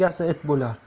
egasi it bo'lar